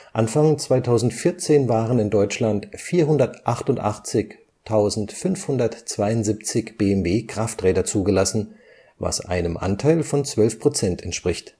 Anfang 2014 waren in Deutschland 488.572 BMW-Krafträder zugelassen, was einem Anteil von 12,0 % entspricht